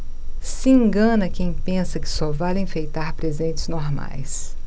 se engana quem pensa que só vale enfeitar presentes normais